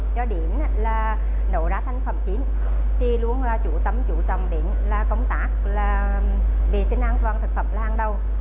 cho đến là nấu ra thành phẩm chín thì luôn là chủ tâm chú trọng đến là công tác là vệ sinh an toàn thực phẩm là hàng đầu